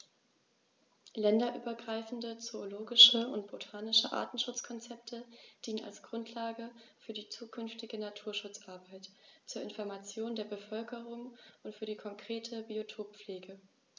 Länderübergreifende zoologische und botanische Artenschutzkonzepte dienen als Grundlage für die zukünftige Naturschutzarbeit, zur Information der Bevölkerung und für die konkrete Biotoppflege.